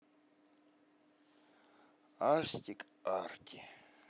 астик арти